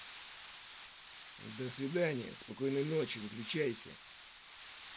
до свидания спокойной ночи выключайся